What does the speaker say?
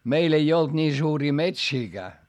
meillä ei ollut niin suuria metsiäkään